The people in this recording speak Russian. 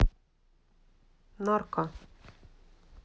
нарко